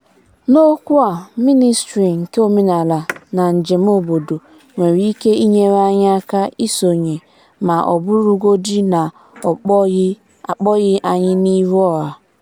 N'okwu a, Minịstrị nke Omenanala na Njem obodo nwere ike inyere anyị aka isonye, ​​ma ọ bụrụgodị na a kpọghị anyị n'ihu ọha.